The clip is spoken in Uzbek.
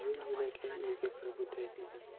yo'lakay uyga kirib o'tay dedim